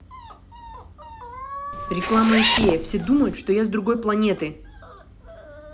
реклама икея все думают что я с другой планеты